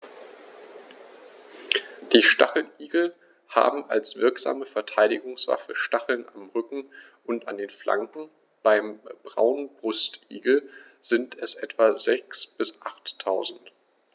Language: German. Die Stacheligel haben als wirksame Verteidigungswaffe Stacheln am Rücken und an den Flanken (beim Braunbrustigel sind es etwa sechs- bis achttausend).